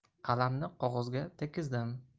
qalamni qog'ozga tekkizdim